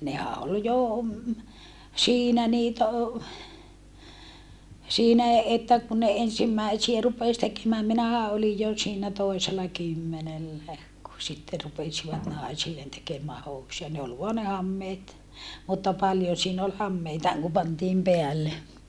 nehän oli jo siinä niitä - siinä että kun ne ensimmäisiä rupesi tekemään minähän olin jo siinä toisella kymmenellä kun sitten rupesivat naisille tekemään housuja ne oli vain ne hameet mutta paljon siinä oli hameitakin kun pantiin päälle